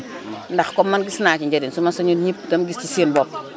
ndax comme man gis naa ci njariñ suma sañoon ñëpp itam gis ci seen bopp